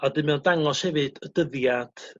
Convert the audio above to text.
a 'dun mae o'n dangos hefyd y dyddiad